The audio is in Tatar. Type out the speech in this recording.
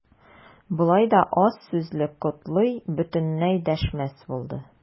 Болай да аз сүзле Котлый бөтенләй дәшмәс булды.